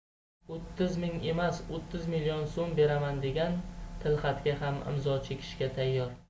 o'ttiz ming emas o'ttiz million so'm beraman degan tilxatga ham imzo chekishga tayyor